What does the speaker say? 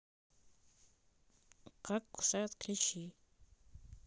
как кусают клещи